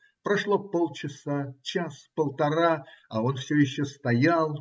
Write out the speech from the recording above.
Прошло полчаса, час, полтора, а он все еще стоял.